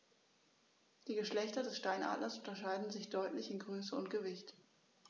Die Geschlechter des Steinadlers unterscheiden sich deutlich in Größe und Gewicht.